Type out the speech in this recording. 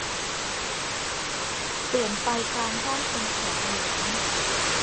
เปลี่ยนไฟกลางห้องเป็นแสงเหลือง